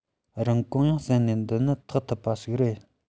རིན གོང ཡང བསམ ན འདི ནི ཐེག ཐུབ པ ཞིག རེད